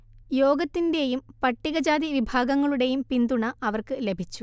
യോഗത്തിന്റെയും പട്ടികജാതി വിഭാഗങ്ങളുടെയും പിന്തുണ അവർക്ക് ലഭിച്ചു